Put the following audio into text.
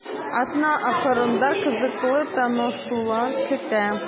Атна ахырында кызыклы танышулар көтә.